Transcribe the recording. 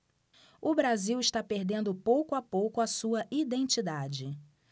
o brasil está perdendo pouco a pouco a sua identidade